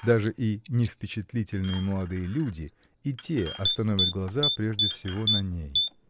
Даже и невпечатлительные молодые люди, и те остановят глаза прежде всего на ней.